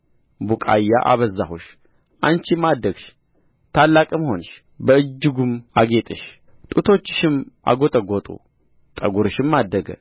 ቡቃያ አበዛሁሽ አንቺም አደግሽ ታላቅም ሆንሽ በእጅጉም አጌጥሽ ጡቶችሽም አጐጠጐጡ ጠጕርሽም አደገ